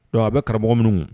Dɔnku a bɛ karamɔgɔ minnu